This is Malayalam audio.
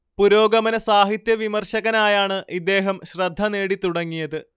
പുരോഗമന സാഹിത്യവിമർശകനായാണ് ഇദ്ദേഹം ശ്രദ്ധ നേടിത്തുടങ്ങിയത്